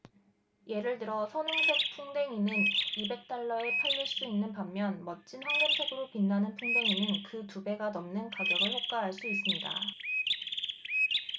예를 들어 선홍색 풍뎅이는 이백 달러에 팔릴 수 있는 반면 멋진 황금색으로 빛나는 풍뎅이는 그 두 배가 넘는 가격을 호가할 수 있습니다